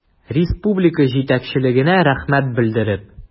Республика җитәкчелегенә рәхмәт белдереп.